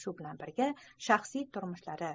shu bilan birga shaxsiy turmushlari